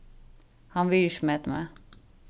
hann virðismetir meg